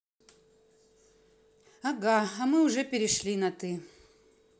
ага а мы уже перешли на ты